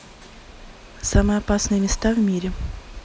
самые опасные места в мире